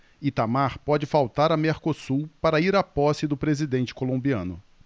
itamar pode faltar a mercosul para ir à posse do presidente colombiano